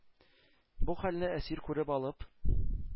Бу хәлне Әсир күреп алып,